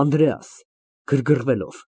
ԱՆԴՐԵԱՍ ֊ (Գրգռվելով)